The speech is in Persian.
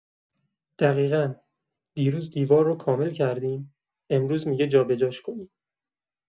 دقیقا، دیروز دیوار رو کامل کردیم، امروز می‌گه جابه‌جاش کنین.